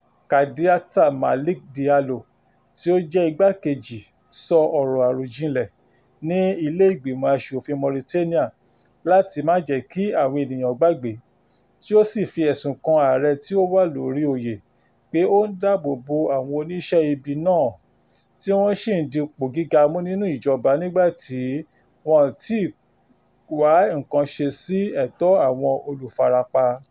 Kardiata Malick Diallo, tí ó jẹ́ igbákejì, sọ ọrọ àròjinlẹ̀ ní ilé Ìgbìmọ̀ aṣòfin Mauritania láti máà jẹ́ kí àwọn ènìyàn gbàgbé, tí ó sì fi ẹ̀sùn kàn ààrẹ tí ó wà lórí oyè pé ó ń dáàbò bo àwọn oníṣẹ́-ibi náà, tí wọ́n ṣì ń dipò gíga mú nínú ìjọba nígbà tí wọn kò tí ì wá nǹkan ṣe sí ẹ̀tọ́ àwọn olùfarapa: